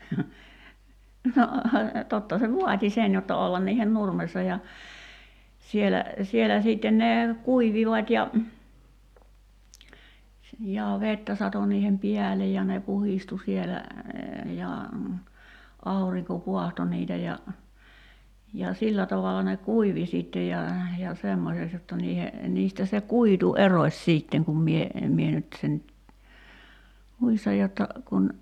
no totta se vaati sen jotta olla niiden nurmessa ja siellä siellä sitten ne kuivuivat ja ja vettä satoi niiden päälle ja ne puhdistui siellä ja aurinko paahtoi niitä ja ja sillä tavalla ne kuivui sitten ja ja semmoiseksi jotta niiden niistä se kuitu erosi sitten kun minä minä nyt sen muistan jotta kun